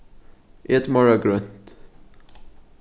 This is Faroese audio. et meira grønt